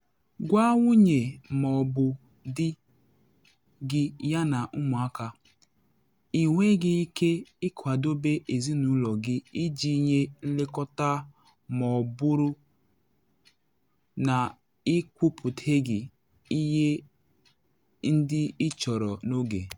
Gwa nwunye ma ọ bụ dị gị yana ụmụaka: Ị nweghị ike ịkwadobe ezinụlọ gị iji nye nlekọta ma ọ bụrụ na i kwuputeghi ihe ndị ị chọrọ n’oge.